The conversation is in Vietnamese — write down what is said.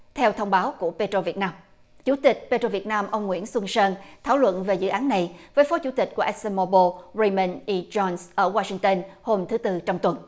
theo thông báo của pê trô việt nam chủ tịch pê trô việt nam ông nguyễn xuân sơn thảo luận về dự án này với phó chủ tịch của éc xôn mo bồ rây mần y gion ở goa sinh tân hôm thứ tư trong tuần